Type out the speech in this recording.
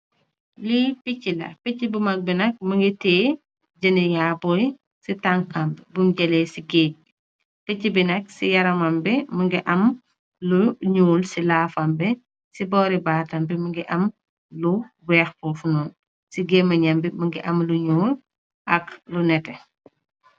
Li pitchi la pitchi bu reye bi mungi teyeh jhen ni yabuye si tangkam bi bum jeleh si guage pitchi bi nak si yaramam bi mungi am lu nyull si lafam bi si bori batam bi mungi ame lu weex fufu nun si gemenye nyam bi mungi ame lu nyul ak lu neteh